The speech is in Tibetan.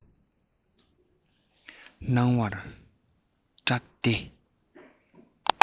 གནང བར སྐྲག སྟེ